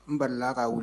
N balila ka wul